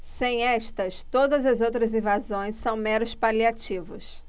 sem estas todas as outras invasões são meros paliativos